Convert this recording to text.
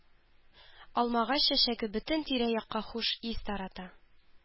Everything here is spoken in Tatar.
Алмагач чәчәге бөтен тирә-якка хуш ис тарата.